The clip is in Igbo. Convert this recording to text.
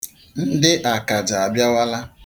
Ndị akaja abịawala.